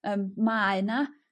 Yym mae 'na